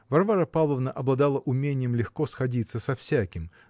Варвара Павловна обладала уменьем легко сходиться со всяким